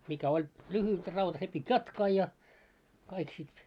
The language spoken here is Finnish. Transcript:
mikä oli lyhyt rauta se piti jatkaa ja kaikki sitten